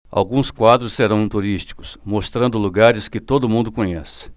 alguns quadros serão turísticos mostrando lugares que todo mundo conhece